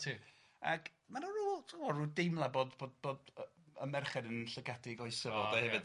Ac mae 'na r'w ti'bod r'w deimlad bod bod bod yy y merched yn llygadu 'i goesau fo 'de hefyd 'de.